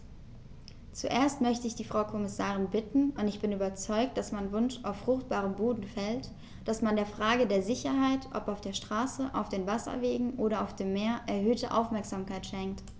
Zuerst möchte ich die Frau Kommissarin bitten - und ich bin überzeugt, dass mein Wunsch auf fruchtbaren Boden fällt -, dass man der Frage der Sicherheit, ob auf der Straße, auf den Wasserwegen oder auf dem Meer, erhöhte Aufmerksamkeit schenkt.